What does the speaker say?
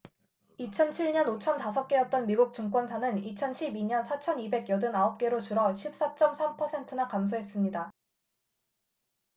이천 칠 년 오천 다섯 개였던 미국 증권사는 이천 십 이 년 사천 이백 여든 아홉 개로 줄어 십 사 쩜 삼 퍼센트나 감소했습니다